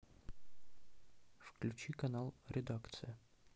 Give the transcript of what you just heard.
включи канал редакция